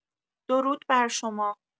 درود برشما